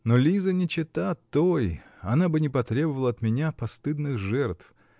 Но Лиза не чета той: она бы не потребовала от меня постыдных жертв